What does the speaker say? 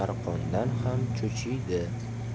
arqondan ham cho'chiydi